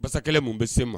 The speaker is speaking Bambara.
Pasakɛla mun bɛ se ma